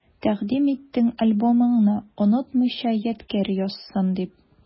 Тәкъдим иттең альбомыңны, онытмыйча ядкарь язсын дип.